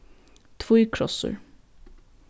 tvíkrossur